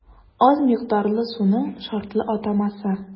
Аз микъдарлы суның шартлы атамасы.